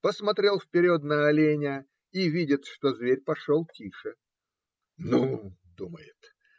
посмотрел вперед на оленя и видит, что зверь пошел тише. "Ну, думает,